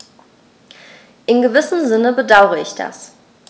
In gewissem Sinne bedauere ich das.